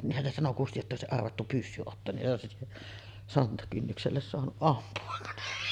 niinhän se sanoi Kusti jotta olisi arvattu pyssy ottoon niin olisi sontakynnykselle saanut ampua